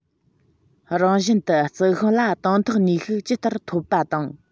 རང བཞིན དུ རྩི ཤིང ལ དང ཐོག ནུས ཤུགས ཇི ལྟར ཐོབ པ དང